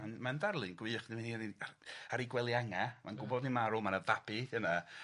Ma'n ma'n ddarlun gwych, ar ei gwely anga, mae'n gwbod bo' ddi'n marw, ma' 'na fabi yna